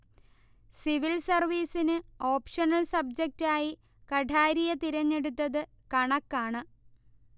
civil സർവീസിന് optional സബ്ജറ്റായി കഠാരിയ തിരഞ്ഞെടുത്തത് കണക്കാണ്